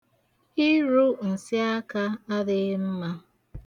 Irụ nsị aka adịghị mma.